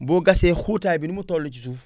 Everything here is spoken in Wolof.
boo gasee xóotay bi ni mu toll si suuf